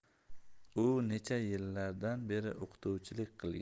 u necha yillardan beri o'qituvchilik qilgan